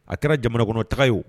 A kɛra jamanakɔnɔtaga ye wo